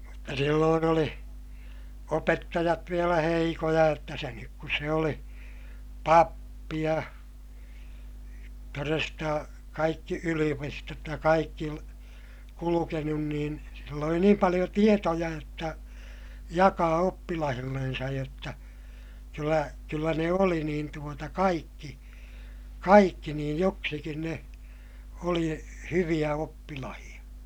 mutta silloin oli opettajat vielä heikkoja jotta senkin kun se oli pappi ja todesta kaikki yliopistot ja kaikki kulkenut niin sillä oli niin paljon tietoja jotta jakaa oppilailleen jotta kyllä kyllä ne oli niin tuota kaikki kaikki niin joksikin ne oli hyviä oppilaita